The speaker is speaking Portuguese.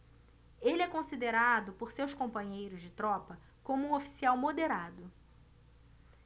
ele é considerado por seus companheiros de tropa como um oficial moderado